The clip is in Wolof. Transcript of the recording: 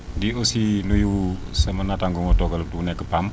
di aussi nuyu sama nattaangoo bu ma toogal bu nekk PAM